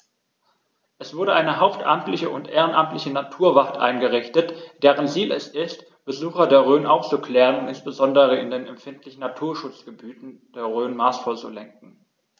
Es wurde eine hauptamtliche und ehrenamtliche Naturwacht eingerichtet, deren Ziel es ist, Besucher der Rhön aufzuklären und insbesondere in den empfindlichen Naturschutzgebieten der Rhön maßvoll zu lenken.